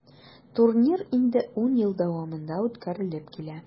Турнир инде 10 ел дәвамында үткәрелеп килә.